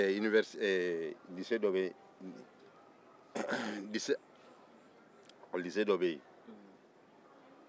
lise dɔ bɛ yen